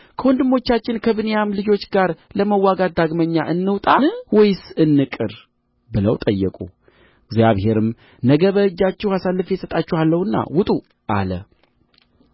ከወንድሞቻችን ከብንያም ልጆች ጋር ለመዋጋት ዳግመኛ እንውጣን ወይስ እንቅር ብለው ጠየቁ እግዚአብሔርም ነገ በእጃችሁ አሳልፌ እሰጣቸዋለሁና ውጡ አለ